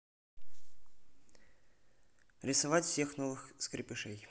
рисовать всех новых скрепышей